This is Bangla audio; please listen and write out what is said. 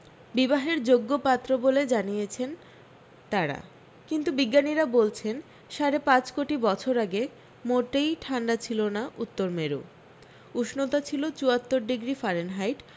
বিবাহের যোগ্য পাত্র বলে জানিয়েছেন তাঁরা কিন্তু বিজ্ঞানীরা বলছেন সাড়ে পাঁচ কোটি বছর আগে মোটেই ঠান্ডা ছিল না উত্তর মেরু উষ্ণতা ছিল চুয়াত্তর ডিগ্রী ফারেনহাইট